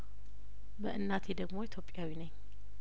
በእናቴ ደግሞ ኢትዮጵያዊ ነኝ